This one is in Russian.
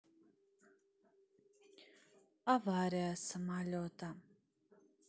авария самолета